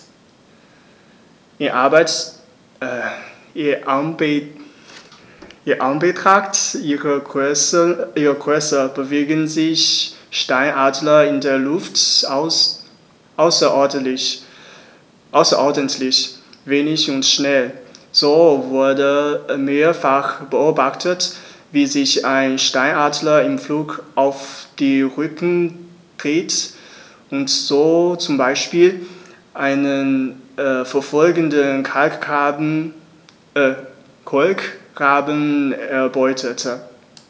In Anbetracht ihrer Größe bewegen sich Steinadler in der Luft außerordentlich wendig und schnell, so wurde mehrfach beobachtet, wie sich ein Steinadler im Flug auf den Rücken drehte und so zum Beispiel einen verfolgenden Kolkraben erbeutete.